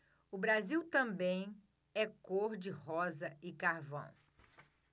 o brasil também é cor de rosa e carvão